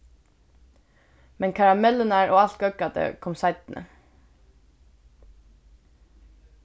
men karamellurnar og alt góðgætið kom seinni